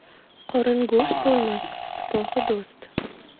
qorin go'sht bo'lmas sipohi do'st